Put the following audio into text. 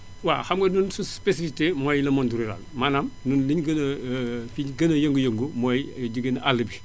waaw xam nga ñun sunu spécifité mooy le monde rural maanaam ñun li ñu gën a fi ñu gën a yëngu yëngu mooy jigéenu àll bi